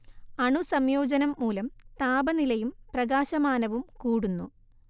അണുസംയോജനം മൂലം താപനിലയും പ്രകാശമാനവും കൂടുന്നു